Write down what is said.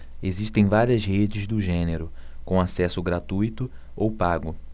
existem várias redes do gênero com acesso gratuito ou pago